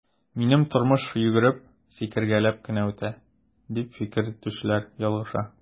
Минем тормыш йөгереп, сикергәләп кенә үтә, дип фикер йөртүчеләр ялгыша.